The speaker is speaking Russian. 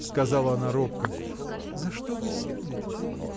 – сказала она робко, – за что вы сердитесь?